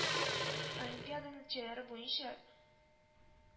Олимпиада нәтиҗәләре буенча